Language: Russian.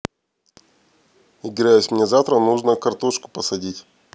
играюсь мне завтра нужно картошку посадить